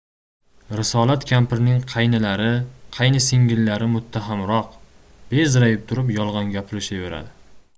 risolat kampirning qaynilari qayinsingillari muttahamroq bezrayib turib yolg'on gapiraverishadi